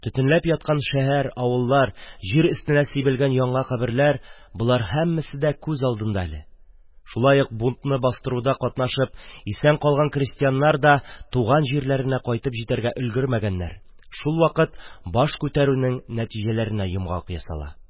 Төтенләп яткан шәһәр-авыллар, җир өстенә сибелгән яңа каберләр – болар һәммәсе дә күз алдында әле, шулай ук бунтны бастыруда катнашып исән калган крестьяннар да туган җирләренә кайтып җитәргә өлгермәгәннәр – шул вакыт баш күтәрүнең нәтиҗәләренә йомгак ясала.